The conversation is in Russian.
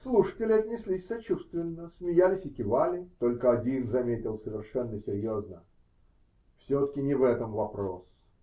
Слушатели отнеслись сочувственно, смеялись и кивали, только один заметил совершенно серьезно: -- Все-таки не в этом вопрос.